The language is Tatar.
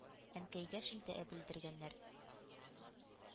Әнкәйгә шелтә белдергәннәр..